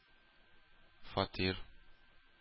Фатир